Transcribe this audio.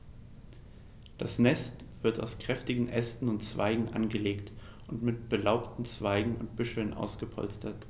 Das Nest wird aus kräftigen Ästen und Zweigen angelegt und mit belaubten Zweigen und Büscheln ausgepolstert.